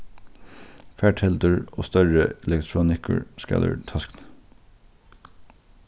farteldur og størri elektronikkur skal úr taskuni